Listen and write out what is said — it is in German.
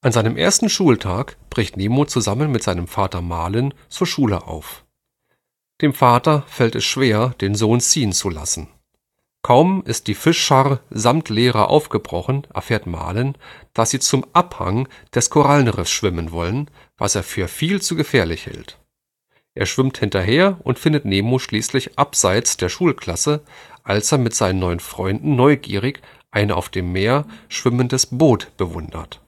seinem ersten Schultag bricht Nemo zusammen mit seinem Vater Marlin zur Schule auf. Dem Vater fällt es schwer, den Sohn ziehen zu lassen. Kaum ist die Fischschar samt Lehrer aufgebrochen, erfährt Marlin, dass sie zum Abhang des Korallenriffs schwimmen wollen, was er für viel zu gefährlich hält. Er schwimmt hinterher und findet Nemo schließlich abseits der Schulklasse, als er mit seinen neuen Freunden neugierig ein auf dem Meer schwimmendes Boot bewundert